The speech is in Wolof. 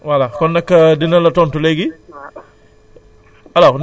voilà kon nag dina la tontu léegi